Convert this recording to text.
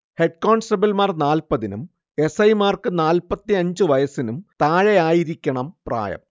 Head കോൺസ്റ്റബിൾമാർ നാല്‍പ്പതിനും S. I മാർക്ക് നാല്‍പ്പത്തിയഞ്ച് വയസ്സിനും താഴെയായിരിക്കണം പ്രായം